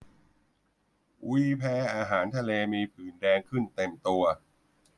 อุ้ยแพ้อาหารทะเลมีผื่นแดงขึ้นเต็มตัว